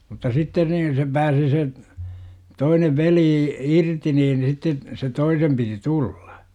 mutta sitten niin se pääsi se toinen veli irti niin sitten sen toisen piti tulla